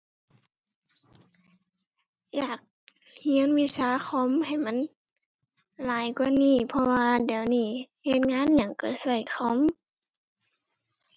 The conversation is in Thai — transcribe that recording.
อยากเรียนวิชาคอมให้มัน หลายกว่านี้เพราะว่าเดี๋ยวนี้เฮ็ดงานหยังเรียนเรียนคอม